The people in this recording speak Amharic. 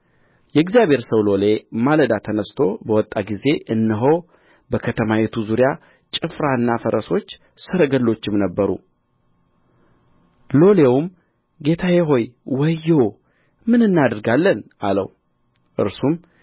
የእግዚአብሔር ሰው ሎሌ ማለዳ ተነሥቶ በወጣ ጊዜ እነሆ በከተማይቱ ዙሪያ ጭፍራና ፈረሶች ሰረገሎችም ነበሩ ሎሌውም ጌታዬ ሆይ ወዮ ምን እናደርጋለን አለው እርሱም